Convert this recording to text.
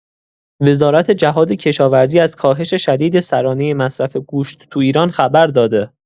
وزارت جهادکشاورزی از کاهش شدید سرانۀ مصرف گوشت تو ایران خبر داده.